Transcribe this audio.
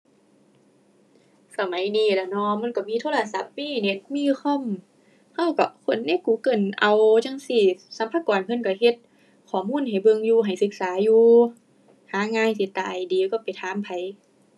สมัยนี้แล้วเนาะ มันก็มีโทรศัพท์ มีเน็ต มีคอม ก็ก็ค้นใน Google เอาจั่งซี้ สรรพากรเพิ่นก็เฮ็ดข้อมูลให้เบิ่งอยู่ ให้ศึกษาอยู่ หาง่ายสิตาย ดีกว่าไปถามไผ